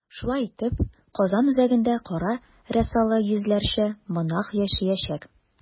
Шулай итеп, Казан үзәгендә кара рясалы йөзләрчә монах яшәячәк.